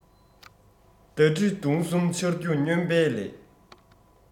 མདའ གྲི མདུང གསུམ འཕྱར རྒྱུ སྨྱོན པའི ལས